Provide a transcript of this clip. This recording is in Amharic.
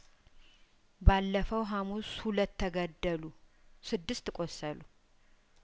ባለፈው ሀሙስ ሁለት ተገደሉ ስድስት ቆሰሉ